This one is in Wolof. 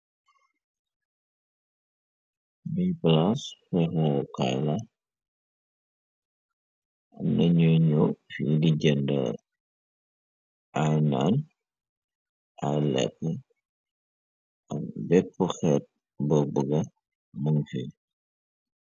Bi palas feko kayla amnañu ñoo fi di jëndal inan aylekk ak beppu xeet bëbu ga muñ fi.